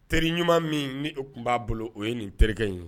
Teri ɲuman min ni e tun b'a bolo o ye nin terikɛ in ye